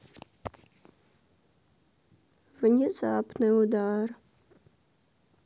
внезапный удар